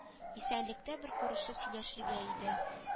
Исәнлектә бер күрешеп сөйләшергә иде